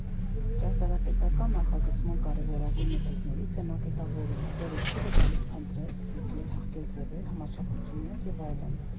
Ճարտարապետական նախագծման կարևորագույն մեթոդներից է մակետավորումը, որը թույլ է տալիս փնտրել, ստուգել, հղկել ձևեր, համաչափություններ և այլն։